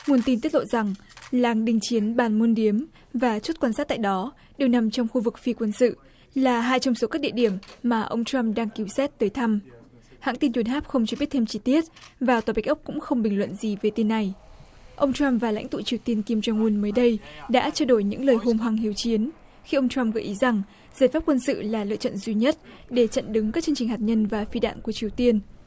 nguồn tin tiết lộ rằng làng đình chiến bàn môn điếm và chốt quan sát tại đó đều nằm trong khu vực phi quân sự là hai trong số các địa điểm mà ông trăm đang cứu xét tới thăm hãng tin dôn háp không cho biết thêm chi tiết vào tòa bạch ốc cũng không bình luận gì về tin này ông trăm và lãnh tụ triều tiên kim dong un mới đây đã trao đổi những lời hung hăng hiếu chiến khi ông trăm gợi ý rằng giải pháp quân sự là lựa chọn duy nhất để chặn đứng các chương trình hạt nhân và phi đạn của triều tiên